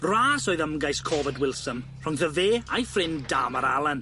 Ras oedd ymgais Corbet Wilson rhwngddo fe a'i ffrind Darmar Allen.